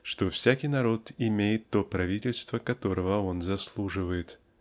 что "всякий народ имеет то правительство которого он заслуживает".